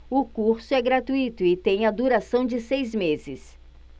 o curso é gratuito e tem a duração de seis meses